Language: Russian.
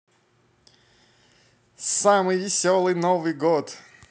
самый веселый новый год